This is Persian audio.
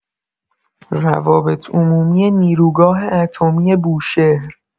روابط‌عمومی نیروگاه اتمی بوشهر